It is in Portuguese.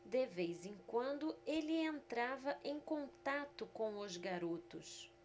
de vez em quando ele entrava em contato com os garotos